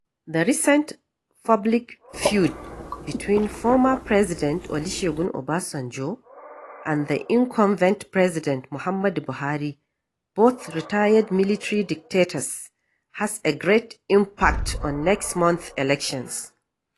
The recent public feud between former President Olusegun Obasanjo and the incumbent President Muhammadu Buhari — both retired military dictators — has a great impact on next month's elections.